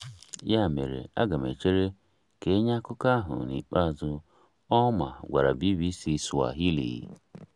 Ya mere, a ga m echere ka e nye akụkọ ahụ n'ikpeazụ, Ouma gwara BBC Swahili.